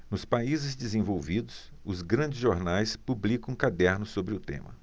nos países desenvolvidos os grandes jornais publicam cadernos sobre o tema